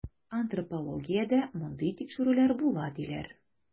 Антропологиядә мондый тикшерүләр була, диләр.